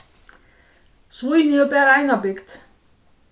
svínoy hevur bert eina bygd